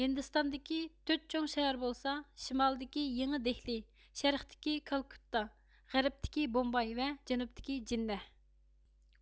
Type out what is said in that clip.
ھىندىستاندىكى تۆت چوڭ شەھەر بولسا شىمالدىكى يېڭى دېھلى شەرقتىكى كالكۇتتا غەربتىكى بومباي ۋە جەنۇبتىكى جىننەھ